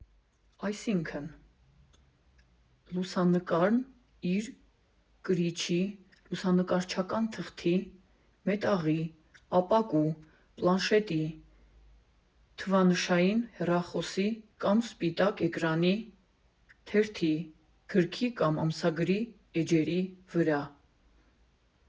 Այսինքն, լուսանկարն իր կրիչի՝ լուսանկարչական թղթի, մետաղի, ապակու, պլանշետի, թվանշային հեռախոսի կամ սպիտակ էկրանի, թերթի, գրքի կամ ամսագրի էջերի վրա։